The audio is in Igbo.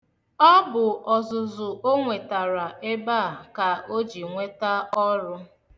Ọ bụ ọzụzụ o nwetara ebe a ka o ji nweta ọrụ.